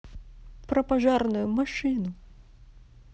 про пожарную машину